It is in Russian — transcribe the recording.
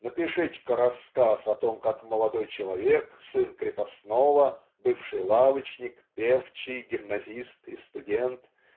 Напишите-ка рассказ о том как молодой человек сын крепостного бывший лавочник певчий гимназист и студент